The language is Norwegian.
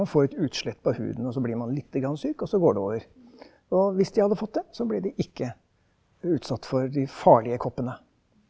man får et utslett på huden også blir man lite grann syk også går det over, og hvis de hadde fått det så ble det ikke utsatt for de farlige koppene.